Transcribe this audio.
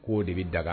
K koo de bɛ daga